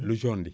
lu jaune li